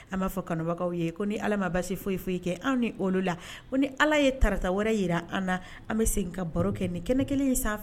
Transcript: B'a fɔ kanu foyi foyi ni ni ala ye tata wɛrɛ jira an na an bɛ se ka baro kɛ nin kɛ kelen ye